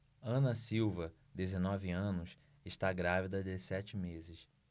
ana silva dezenove anos está grávida de sete meses